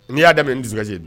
N'i'a da n dusukasɛse